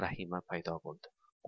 rahima paydo bo'ldi